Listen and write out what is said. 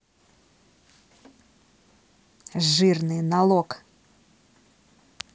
жирные налог